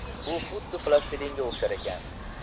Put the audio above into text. u xuddi plastilinga o'xsharkan